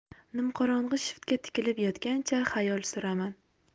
nimqorong'i shiftga tikilib yotgancha xayol suraman